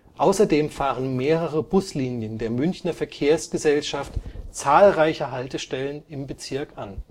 Außerdem fahren mehrere Buslinien der Münchner Verkehrsgesellschaft zahlreiche Haltestellen im Bezirk an